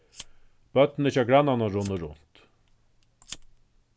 børnini hjá grannanum runnu runt